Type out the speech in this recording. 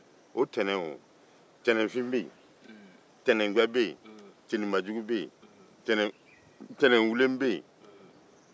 tɛnɛnfin bɛ yen tɛnɛnbilen bɛ yen tɛnɛnjɛ bɛ yen tɛnɛnbajugu bɛ yen